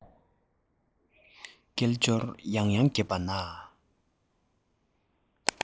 སྐད ཅོར ཡང ཡང བརྒྱབ པ ན